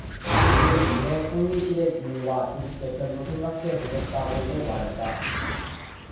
이를 위해 총리실의 기능과 조직 개편도 생각해보겠다고고 말했다